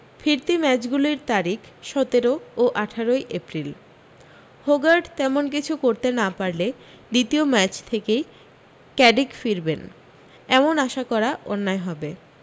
ফিরতি ম্যাচগুলির তারিখ সতেরো ও আঠারোই এপ্রিল হোগার্ট তেমন কিছু করতে না পারলে দ্বিতীয় ম্যাচ থেকেই ক্যাডিক ফিরবেন এমন আশা করা অন্যায় হবে